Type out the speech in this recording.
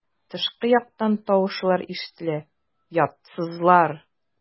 Тышкы яктан тавышлар ишетелә: "Оятсызлар!"